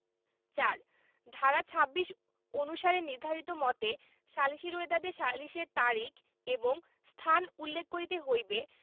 ৪ ধারা ২৬ অনুসারে নির্ধারিত মতে সালিসী রোয়েদাদে সালিসের তারিখ এবং স্থান উল্লেখ করিতে হইবে